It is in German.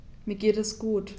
Mir geht es gut.